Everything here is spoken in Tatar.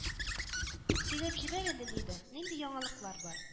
Сөйләп җибәр әле, Лида, нинди яңалыклар бар